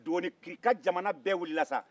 do ni kiri ka jamana bɛɛ wilila sa